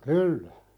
kyllä